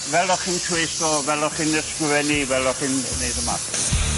Fel o'ch chi'n trwyso, fel o'ch chi'n ysgrifennu, fel o'ch chi'n neud yma.